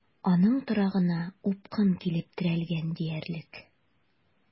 Аның торагына упкын килеп терәлгән диярлек.